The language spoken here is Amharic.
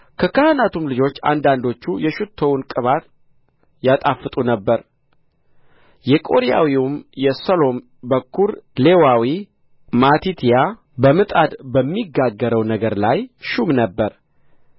ከካህናቱም ልጆች አንዳንዶቹ የሽቱውን ቅባት ያጣፍጡ ነበር የቆሬያዊውም የሰሎም በኵር ሌዋዊው ማቲትያ በምጣድ በሚጋገረው ነገር ላይ ሹም ነበረ